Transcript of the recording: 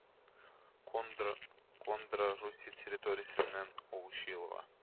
Кондро Кондра Русия территориясеннән агучы елга